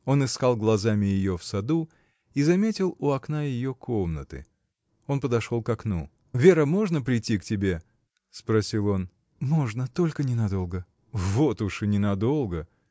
Он искал глазами ее в саду и заметил у окна ее комнаты. Он подошел к окну. — Вера, можно прийти к тебе? — спросил он. — Можно, только ненадолго. — Вот уж и ненадолго!